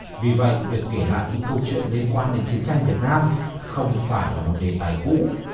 vì vậy việc kể lại những câu chuyện liên quan đến chiến tranh việt nam không phải là một đề tài cũ